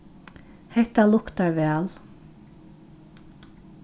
hetta luktar væl